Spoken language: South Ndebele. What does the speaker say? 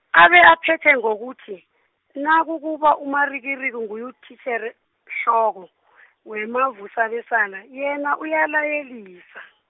abe aphethe ngokuthi, nakukube uMarikiriki nguye utitjherehloko , weMavusabesala, yena uyalayelisa.